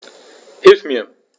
Hilf mir!